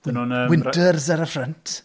Dan nhw'n yym... Winters ar y ffrynt.